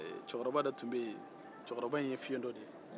cɛkɔrɔba dɔ tun bɛ yen cɛkɔrɔba in ye fiyento de ye